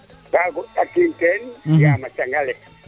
ka goɗ'atiim teen yaam a cang ale